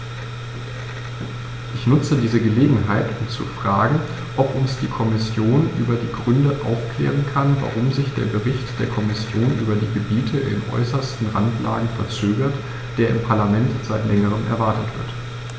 Ich nutze diese Gelegenheit, um zu fragen, ob uns die Kommission über die Gründe aufklären kann, warum sich der Bericht der Kommission über die Gebiete in äußerster Randlage verzögert, der im Parlament seit längerem erwartet wird.